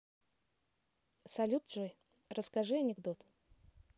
салют джой расскажи анекдот